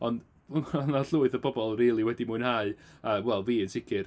Ond ma' 'na llwyth o bobl rili wedi mwynhau, yy wel fi yn sicr.